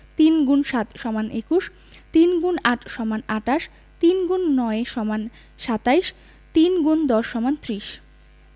৩ × ৭ = ২১ ৩ X ৮ = ২৮ ৩ X ৯ = ২৭ ৩ ×১০ = ৩০